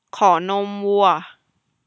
ขอนมวัว